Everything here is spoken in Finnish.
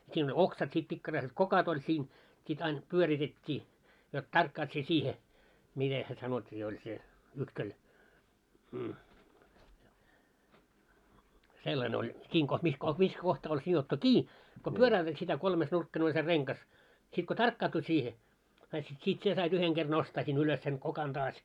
siinä oli oksat sitten pikkaraiset kokot oli sinne sitten aina pyöritettiin jotta tarkkaat sinä siihen miten se sanottiin oli se - sellainen oli sinne - missä - missä kohtaa oli sidottu kiinni kun pyöräytät sitä kolmenurkkainen oli se rengas sitten kun tarkkaantui siihen sait sitten siitä sinä sait yhden kerran nostaa sinne ylös sen kokan taas